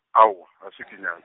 aowa ga se ke nyale.